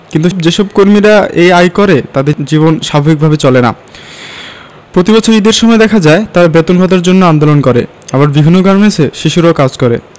কিন্তু যেসব কর্মীরা এই আয় করে তাদের জীবন স্বাভাবিক ভাবে চলে না প্রতিবছর ঈদের সময় দেখা যায় তারা বেতন ভাতার জন্য আন্দোলন করে আবার বিভিন্ন গার্মেন্টসে শিশুরা কাজ করে